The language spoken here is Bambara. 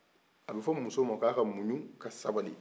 a be fɔ muso man k'a ka munɲun ka sabali